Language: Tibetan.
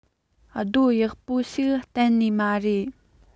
རྡོ ཡག པོ ཞིག གཏན ནས མ རེད